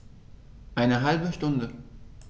Eine halbe Stunde